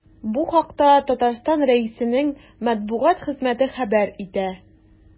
Бу хакта Татарстан Рәисенең матбугат хезмәте хәбәр итә.